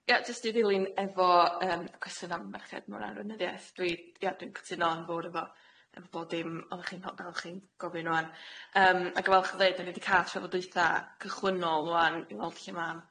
Ia jyst i ddilyn efo yym cwestiwn am merched mewn arweinyddieth dwi ia dwi'n cytuno yn fowr efo- efo bod dim oddach chi'n ho- oddach chi'n gofyn rŵan yym ag yn falch o ddeud dani di ca'l trafodaetha cychwynnol rŵan i weld lle ma'r.